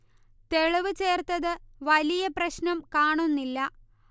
തെളിവ് ചേർത്തത് വലിയ പ്രശ്നം കാണുന്നില്ല